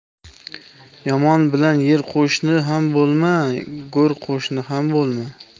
yomon bilan yer qo'shni ham bo'lma go'r qo'shni ham bo'lma